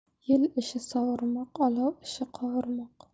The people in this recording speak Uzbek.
yel ishi sovurmoq olov ishi qovurmoq